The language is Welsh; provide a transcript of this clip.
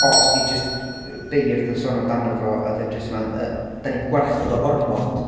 O- os 'di jyst beirdd yn sôn amdano fo a wedyn jyst mae'n y- dan ni'n gwarchod o ormod.